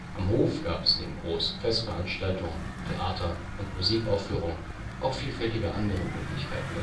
Am Hof gab es neben großen Festveranstaltungen, Theater - und Musikaufführungen auch vielfältige andere Möglichkeiten